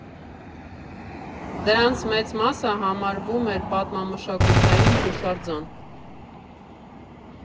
Դրանց մեծ մասը համարվում էր պատմամշակութային հուշարձան։